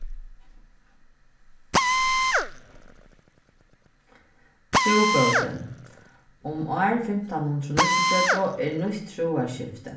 trúbótin um ár fimtan hundrað og níggjuogtretivu er nýtt trúarskifti